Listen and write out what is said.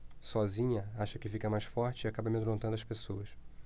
sozinha acha que fica mais forte e acaba amedrontando as pessoas